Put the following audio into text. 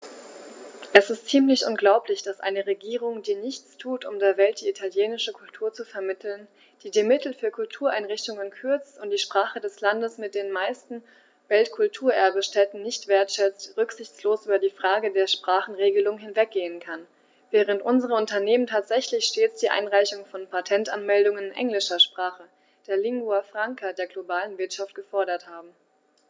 Es ist ziemlich unglaublich, dass eine Regierung, die nichts tut, um der Welt die italienische Kultur zu vermitteln, die die Mittel für Kultureinrichtungen kürzt und die Sprache des Landes mit den meisten Weltkulturerbe-Stätten nicht wertschätzt, rücksichtslos über die Frage der Sprachenregelung hinweggehen kann, während unsere Unternehmen tatsächlich stets die Einreichung von Patentanmeldungen in englischer Sprache, der Lingua Franca der globalen Wirtschaft, gefordert haben.